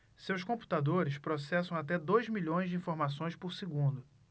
seus computadores processam até dois milhões de informações por segundo